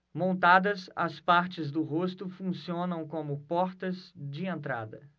montadas as partes do rosto funcionam como portas de entrada